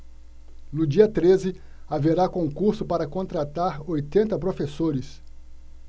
no dia treze haverá concurso para contratar oitenta professores